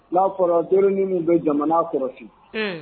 N'a fɔratorin min bɛ jamana kɔlɔsi